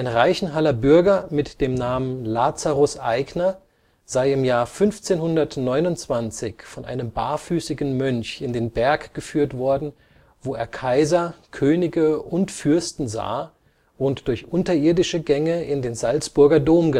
Reichenhaller Bürger mit dem Namen Lazarus Aigner sei im Jahr 1529 von einem barfüßigen Mönch in den Berg geführt worden, wo er Kaiser, Könige und Fürsten sah und durch unterirdische Gänge in den Salzburger Dom